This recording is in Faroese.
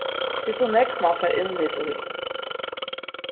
tað er so nógv mann fær innlit í